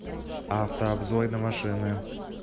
автообзор на машины